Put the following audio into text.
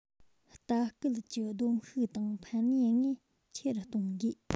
ལྟ སྐུལ གྱི བསྡོམས ཤུགས དང ཕན ནུས དངོས ཆེ རུ གཏོང དགོས